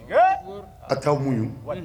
A taa mun ye